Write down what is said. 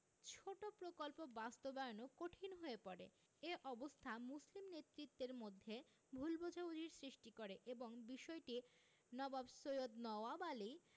ছোট প্রকল্প বাস্তবায়নও কঠিন হয়ে পড়ে এ অবস্থা মুসলিম নেতৃত্বের মধ্যে ভুল বোঝাবুঝির সৃষ্টি করে এবং বিষয়টি নবাব সৈয়দ নওয়াব আলী